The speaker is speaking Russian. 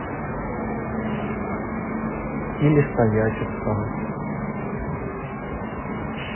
или стоять устал